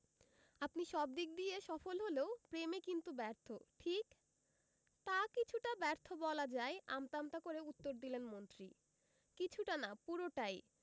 আপনি সব দিক দিয়ে সফল হলেও প্রেমে কিন্তু ব্যর্থ ঠিক ‘তা কিছুটা ব্যর্থ বলা যায় আমতা আমতা করে উত্তর দিলেন মন্ত্রী কিছুটা না পুরোটাই